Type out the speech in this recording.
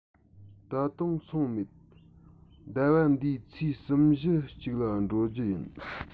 ད དུང སོང མེད ཟླ བ འདིའི ཚེས གསུམ བཞིའི གཅིག ལ འགྲོ རྒྱུུ ཡིན